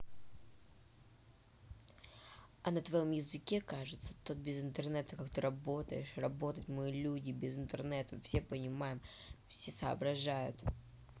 а на твоем языке кажется тот без интернета как ты можешь работать мы люди без интернета все понимает все соображает